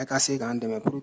E ka se k' an dɛmɛ